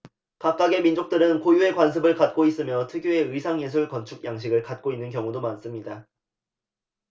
각각의 민족들은 고유의 관습을 갖고 있으며 특유의 의상 예술 건축 양식을 갖고 있는 경우도 많습니다